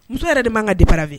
Muso yɛrɛ de man ka dépraver